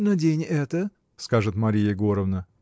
— Надень это, — скажет Марья Егоровна.